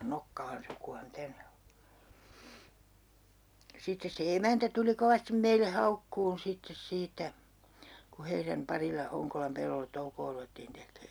sitten se emäntä tuli kovasti meille haukkumaan sitten siitä kun heidän parilla Honkolan pellolle toukoa ruvettiin tekemään